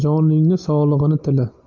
joningning sog'ligini tila